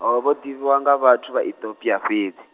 o vho ḓivhiwa nga vhathu vha Itopia fhedzi.